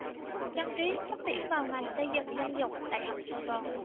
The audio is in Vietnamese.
dân trí xét tuyển vào ngành xây dựng dân dụng đại học sài gòn